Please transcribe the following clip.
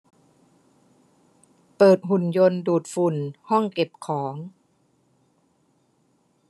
เปิดหุ่นยนต์ดูดฝุ่นห้องเก็บของ